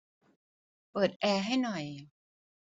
เปิดแอร์ให้หน่อย